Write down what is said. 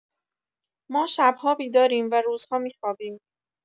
ما شب‌ها بیداریم و روزها می‌خوابیم.